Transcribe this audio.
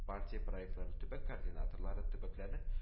Партия проектлары төбәк координаторлары, төбәкләрнең